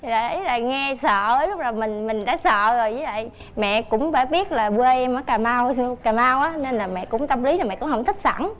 dạ ý là nghe em sợ lúc là mình mình đã sợ rồi mẹ cũng đã biết là quê em cà mau cà mau á nên là mẹ cũng tâm lý là mẹ cũng không thích sẵn